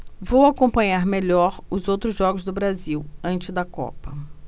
vou acompanhar melhor os outros jogos do brasil antes da copa